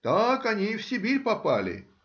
Так они и в Сибирь попали